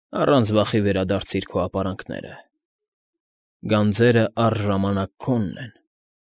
Առանց վախի վերադարձի՛ր քո ապարանքները, գանձերը առժամանակ քոնն են։